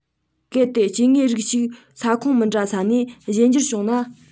གལ ཏེ སྐྱེ དངོས རིགས གཅིག ས ཁོངས མི འདྲ ས ནས གཞན འགྱུར བྱུང ན